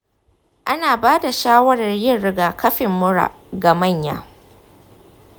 ana ba da shawarar yin rigakafin mura ga manya.